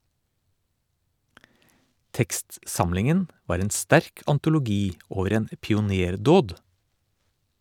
Tekstsamlingen var en sterk antologi over en pionerdåd.